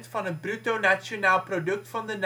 van het bruto nationaal product van de